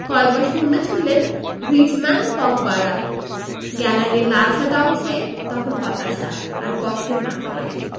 কয়েকবার শূন্যে ছুড়লেন গ্রিজমান পগবারা গ্যালারির লাল সাদা অংশে তখন হতাশা আর কষ্টের মাখামাখি